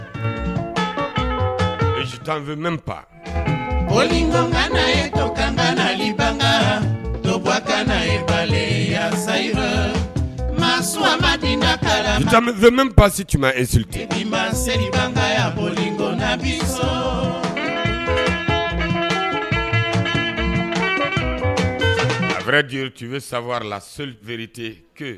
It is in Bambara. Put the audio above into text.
0 pa n nakan tu ka na falenya sayi ma suba ka kalan jamu0mɛ pasi tun etut ma seya kona bi sɔrɔ a wɛrɛjti bɛ sabawa la selivte